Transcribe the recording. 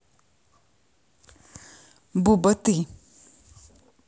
буба ты